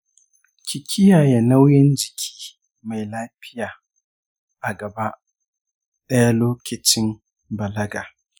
ki kiyaye nauyin jiki mai lafiya a gaba daya lokicin balaga.